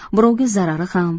birovga zarari ham